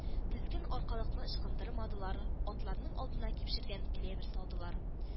Тезген-аркалыкны ычкындырмадылар, атларның алдына кипшергән клевер салдылар